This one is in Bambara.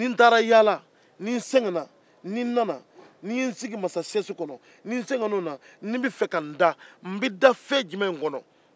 n bɛ da fɛn jumɛn kɔnɔ ni n sɛgɛnnen nana ka bɔ masaya yaala la